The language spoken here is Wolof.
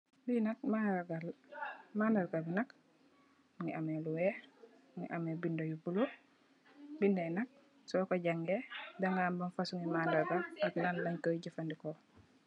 Li nak màndarga la, màndarga bi nak mungi am lu weex, mungi am binda yu bulo, binda yi nak suko jangee danga xam ban fosum màndarga la ak lañ lanye ku jefandikoo.